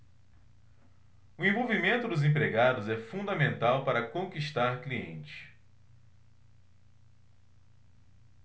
o envolvimento dos empregados é fundamental para conquistar clientes